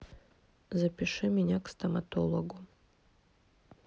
запиши меня к стоматологу